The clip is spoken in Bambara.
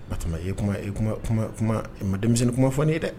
O ye kuma kuma ma denmisɛnnin kuma fɔ n ye dɛ